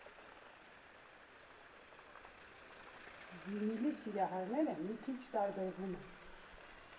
Վինիլի սիրահարները մի քիչ տարբերվում են։